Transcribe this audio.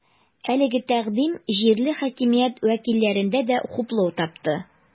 Әлеге тәкъдим җирле хакимият вәкилләрендә дә хуплау тапты.